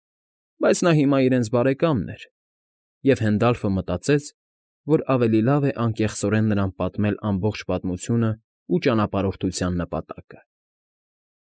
Բայց նա հիմա իրենց բարեկամն էր, և Հենդալֆը մտածեց, որ ավելի լավ է անկեղծորեն նրան պատմել ամբողջ պատմությունն ու ճանապարհորդության նպատակը։